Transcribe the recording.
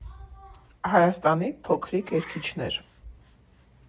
Հայաստանի փոքրիկ երգիչներ։